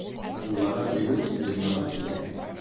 Уллары Люкс дөньяга килә.